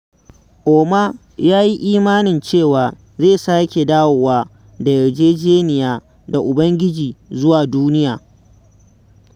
Ouma ya yi imanin cewa, zai sake dawo da yarjejiniya da Ubangiji zuwa duniya.